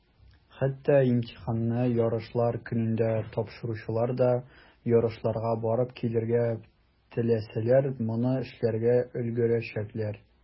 Хәтта имтиханны ярышлар көнендә тапшыручылар да, ярышларга барып килергә теләсәләр, моны эшләргә өлгерәчәкләр.